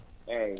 eeyi